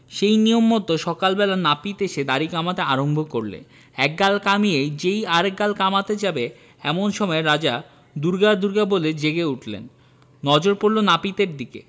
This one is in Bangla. সেই নিয়ম মত সকাল বেলা নাপিত এসে দাড়ি কামাতে আরম্ভ করলে এক গাল কামিয়ে যেই আর এক গাল কামাতে যাবে এমন সময় রাজা দুর্গা দুর্গা বলে জেগে উঠলেন নজর পড়ল নাপিতের দিকে